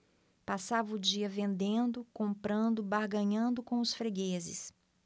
passava o dia vendendo comprando barganhando com os fregueses